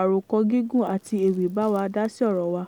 àròkọ-gígùn àti ewì bá wa dá sí ọ̀rọ̀ wa.